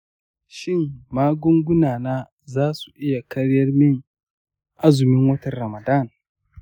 shin magunguna na za su iya karya mini azumin watan ramadan?